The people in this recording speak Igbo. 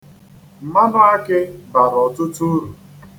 Mmanụakị bara ọtụtụ uru.